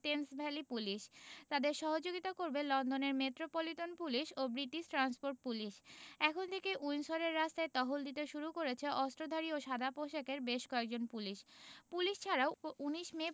Thames Valley Police তাঁদের সহযোগিতা করবে লন্ডনের মেট্রোপলিটন পুলিশ ও ব্রিটিশ ট্রান্সপোর্ট পুলিশ এখন থেকেই উইন্ডসরের রাস্তায় টহল দিতে শুরু করেছে অস্ত্রধারী ও সাদাপোশাকের বেশ কয়েকজন পুলিশ পুলিশ ছাড়াও ১৯ মে